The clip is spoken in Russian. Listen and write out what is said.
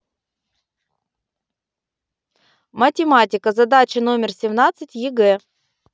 математика задача номер семнадцать егэ